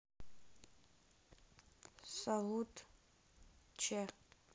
salut ч